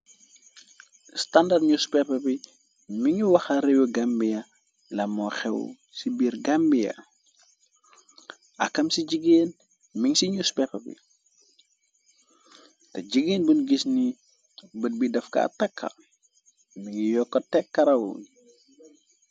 "Standard newspaper" bi mi ngi waxal rewi gambiya lamoo xew ci biir gambi ya akam ci jigeen ming ci newspeper bi te jigéen bun gis ni bët bi dafka attakka mi ngi yokko tek karaw wi.